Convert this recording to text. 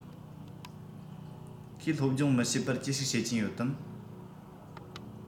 ཁོས སློབ སྦྱོང མི བྱེད པར ཅི ཞིག བྱེད ཀྱིན ཡོད དམ